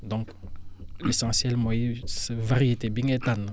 donc l' essentiel mooy sa variété bi nga tànn